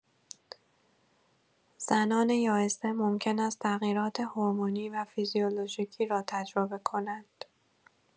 زنان یائسه ممکن است تغییرات هورمونی و فیزیولوژیکی را تجربه کنند.